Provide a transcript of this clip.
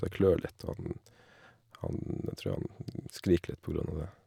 Det klør litt, og han han jeg tror han skriker litt på grunn av det.